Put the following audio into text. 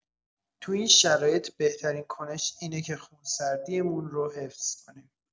تو این شرایط بهترین کنش اینه که خونسردی‌مون رو حفظ کنیم.